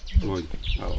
ngooñ waaw